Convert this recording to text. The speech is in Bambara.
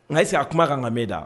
Nka ese a kuma kan nkabe da